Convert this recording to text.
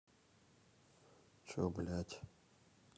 че блядь